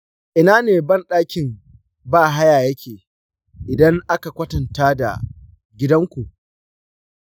a ina ne bandakin bahaya yake idan aka kwatanta da gidan ku?